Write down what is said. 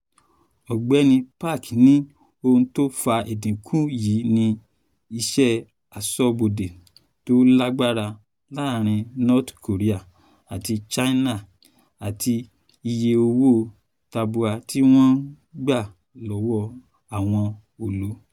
Ọ̀gbẹ́ni Park ni ohun tó fa ẹ̀dínkù yí ni iṣẹ́ aṣọ́bodè tó lágbára láàrin North Korea àti China. Àti iye owó tabua tí wọ́n ń gbà lọ́wọ́ àwọn olo.